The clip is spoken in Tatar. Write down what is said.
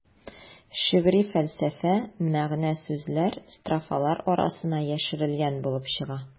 Шигъри фәлсәфә, мәгънә-сүзләр строфалар арасына яшерелгән булып чыга.